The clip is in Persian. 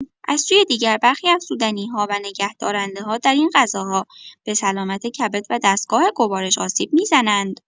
از سوی دیگر، برخی افزودنی‌ها و نگهدارنده‌ها در این غذاها به سلامت کبد و دستگاه گوارش آسیب می‌زنند.